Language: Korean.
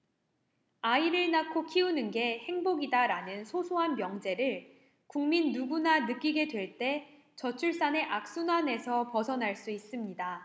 아이를 낳고 키우는 게 행복이다라는 소소한 명제를 국민 누구나 느끼게 될 때 저출산의 악순환에서 벗어날 수 있습니다